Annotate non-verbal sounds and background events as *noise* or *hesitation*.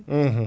*hesitation* *hesitation*